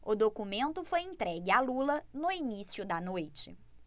o documento foi entregue a lula no início da noite